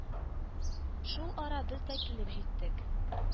Шул ара без дә килеп җиттек.